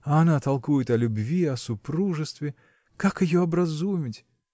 а она толкует о любви, о супружестве. Как ее образумить?